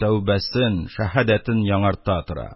Әүбәсен, шаһәдәтен яңарта тора.